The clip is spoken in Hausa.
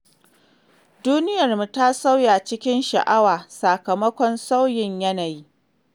Duniyarmu ta sauya cikin sha'awa sakamakon sauyin yanayi.